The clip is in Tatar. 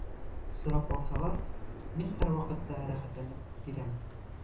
Сорап алсалар, мин һәрвакытта рәхәтләнеп бирәм.